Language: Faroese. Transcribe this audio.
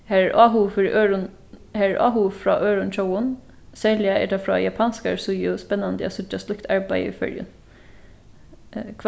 har er áhugi fyri øðrum har er áhugi frá øðrum tjóðum serliga er tað frá japanskari síðu spennandi at síggja slíkt arbeiði í føroyum